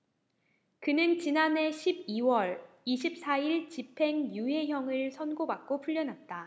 그는 지난해 십 이 월 이십 사 일 집행유예형을 선고받고 풀려났다